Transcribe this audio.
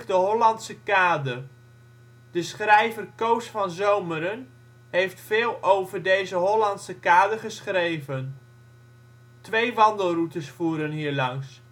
Hollandse Kade. De schrijver Koos van Zomeren heeft veel over (zijn wandelingen langs) deze Hollandse Kade geschreven. Twee wandelroutes voeren hier langs